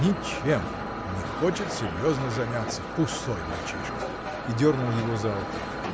Ничем не хочет серьезно заняться: пустой мальчишка! — И дернул его за ухо.